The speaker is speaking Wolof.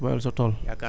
booyal sa tool